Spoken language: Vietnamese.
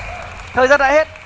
thời gian đã hết